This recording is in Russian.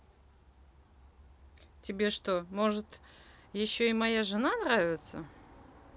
тебе что может еще и моя жена нравится